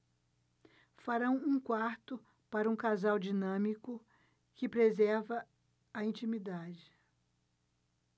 farão um quarto para um casal dinâmico que preserva a intimidade